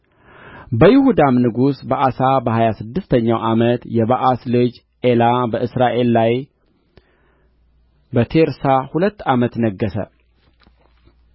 በይሁዳም ንጉሥ በአሳ በሀያ ስድስተኛው ዓመት የባኦስ ልጅ ኤላ በእስራኤል ላይ በቴርሳ ሁለት ዓመት ነገሠ